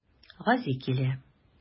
Гази килә.